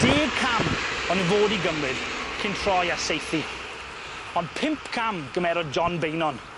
Deg cam o' nw fod i gymryd cyn troi a saethu ond pump cam gymerodd John Beynon.